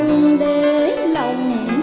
người lãng